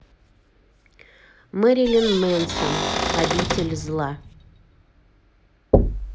мэрилин мэнсон обитель зла